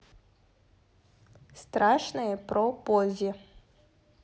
страшные про поззи